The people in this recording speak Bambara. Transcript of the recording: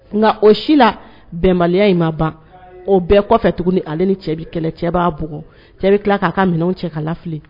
Nka o si la bɛnbaliya in ma ban, o bɛɛ kɔfɛ tuguni ale ni cɛ kɛlɛ cɛ b'a bugɔ, cɛ bɛ tila k'a ka minɛnw cɛ ka lafili